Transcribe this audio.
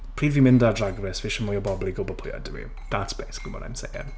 Pryd fi'n mynd ar Drag Race fi isie mwy o pobl i gwbod pwy ydw i. That's basically what I'm saying.